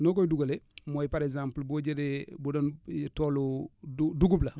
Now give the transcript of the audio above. noo koy dugalee mooy par exemple boo jëlee bu doon toolu du dugub la